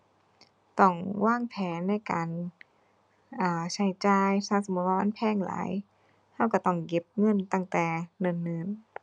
ต้องวางแผนในการ อ่า ใช้จ่าย ถ้าสมมุติว่ามันแพงหลาย เราเราต้องเก็บเงินตั้งแต่เนิ่นเนิ่น